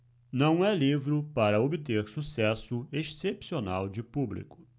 não é livro para obter sucesso excepcional de público